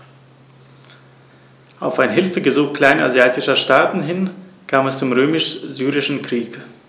Auf ein Hilfegesuch kleinasiatischer Staaten hin kam es zum Römisch-Syrischen Krieg.